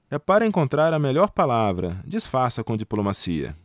é para encontrar a melhor palavra disfarça com diplomacia